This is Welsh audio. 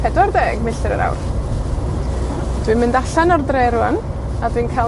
pedwar deg milltir yr awr. Dwi'n mynd allan ar dre rŵan, a dwi'n ca'l